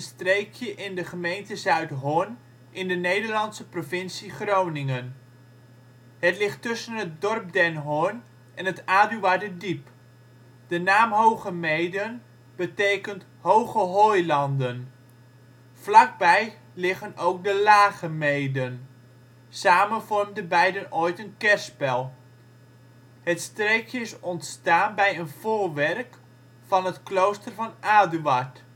streekje in de gemeente Zuidhorn in de Nederlandse provincie Groningen. Het ligt tussen het dorp Den Horn en het Aduarderdiep. De naam Hoogemeeden betekent hoge hooilanden (zie made). Vlakbij liggen ook de Lagemeeden, samen vormden beiden ooit een kerspel. Het streekje is ontstaan bij een voorwerk van het klooster van Aduard